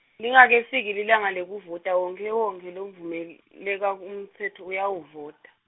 Lingakefiki lilanga lekuvota wonkhewonkhe lomvumel- -leko umtsetfo uyawuvota.